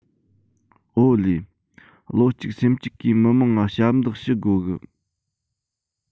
ཨོ ལེ བློ གཅིག སེམས གཅིག གིས མི དམངས ང ཞབས འདེགས ཞུ དགོ གི